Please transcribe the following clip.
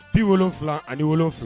77